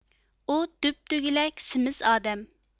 ئۇ دۈبدۈگىلەك سېمىز ئادەم